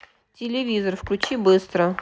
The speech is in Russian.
телевизор включи быстро